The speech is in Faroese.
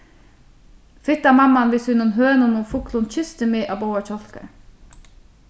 fitta mamman við sínum hønum og fuglum kysti meg á báðar kjálkar